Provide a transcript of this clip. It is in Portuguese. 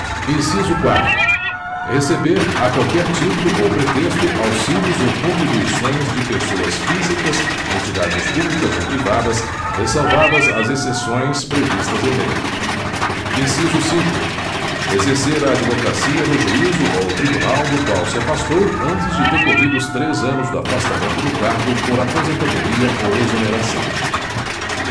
inciso quatro receber a qualquer título ou pretexto auxílios ou contribuições de pessoas físicas entidades públicas ou privadas ressalvadas as exceções previstas em lei inciso cinco exercer a advocacia no juízo ou tribunal do qual se afastou antes de decorridos três anos do afastamento do cargo por aposentadoria ou exoneração